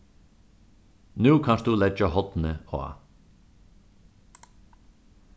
nú kanst tú leggja hornið á